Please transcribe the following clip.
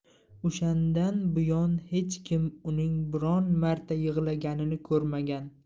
o'shandan buyon hech kim uning biron marta yig'laganini ko'rmagan